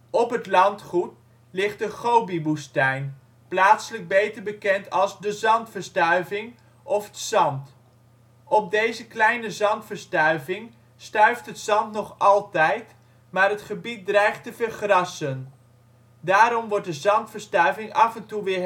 Op het landgoed ligt de " Gobiwoestijn ", plaatselijk beter bekend als " De Zandverstuiving " of "' t Zand ". Op deze kleine zandverstuiving stuift het zand nog altijd, maar het gebied dreigt te vergrassen. Daarom wordt de zandverstuiving af en toe weer hersteld